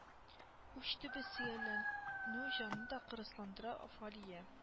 Уч төбе сөялләнү җанны да кырысландыра фалия